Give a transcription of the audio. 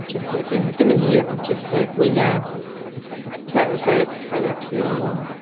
Jyst... aha... dim dim yn hir, ond jyst yy gwyliau cerdded, caiacio.